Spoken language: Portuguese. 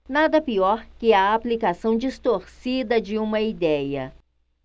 nada pior que a aplicação distorcida de uma idéia